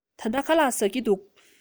ད ལྟ ཁ ལག ཟ གི འདུག